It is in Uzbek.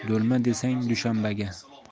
do'lma desang dushanbaga